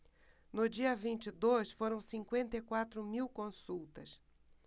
no dia vinte e dois foram cinquenta e quatro mil consultas